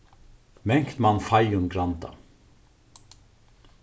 mangt man feigum granda